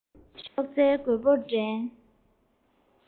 གཤོག རྩལ རྒོད པོར འགྲན